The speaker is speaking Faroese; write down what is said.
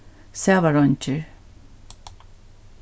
sævareingir